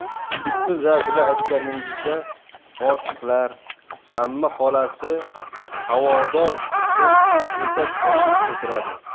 siz ashula aytganingizda ortiqlar amma xolasi havodor deb etak ochib o'tiradi